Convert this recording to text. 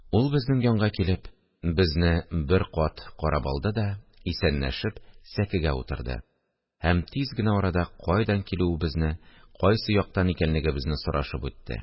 Ул, безнең янга килеп, безне бер кат карап алды да, исәнләшеп, сәкегә утырды һәм тиз генә арада кайдан килүебезне, кайсы яктан икәнлегебезне сорашып үтте